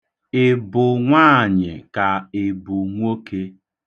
Ị bụ nwaanyị ka ị bụ nwoke?